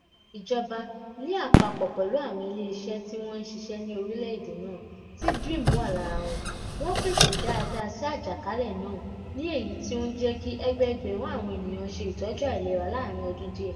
Ìjọba, ní àpapọ̀ pẹ̀lú àwọn ilé iṣẹ́ tí wọ́n ń ṣiṣẹ́ ní orílẹ̀ èdè náà, tí DREAM wà lára wọn, wọ́n fèsì daada sí àjàkálẹ̀ náà, ní èyí tí ó ń jẹ́ kí ẹgbẹẹgbẹ̀rún àwọn ènìyàn ṣe ìtọ́jú àìlera láàárín ọdún díẹ̀.